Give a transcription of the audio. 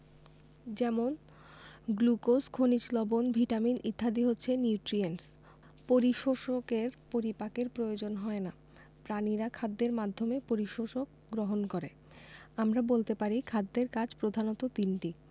যেমন গ্লুকোজ খনিজ লবন ভিটামিন ইত্যাদি হচ্ছে নিউট্রিয়েন্টস পরিশোষকের পরিপাকের প্রয়োজন হয় না প্রাণীরা খাদ্যের মাধ্যমে পরিশোষকের গ্রহণ করে আমরা বলতে পারি খাদ্যের কাজ প্রধানত তিনটি